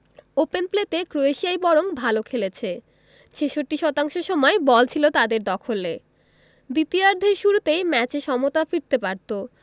open প্লেতে ক্রোয়েশিয়াই বরং ভালো খেলেছে ৬৬ শতাংশ সময় বল ছিল তাদের দখলে দ্বিতীয়ার্ধের শুরুতেই ম্যাচে সমতা ফিরতে পারত